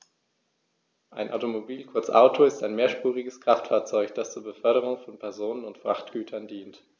Ein Automobil, kurz Auto, ist ein mehrspuriges Kraftfahrzeug, das zur Beförderung von Personen und Frachtgütern dient.